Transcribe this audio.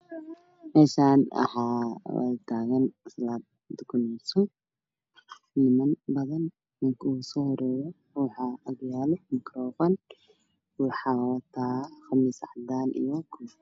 Meeshaan waxaa taagan niman salaad tukanaayo ninka u soo horeeyo waxaa agyaalo makaroofan waxuu wataa qamiis cadaan ah.